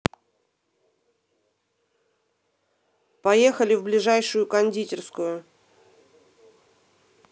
поехали в ближайшую кондитерскую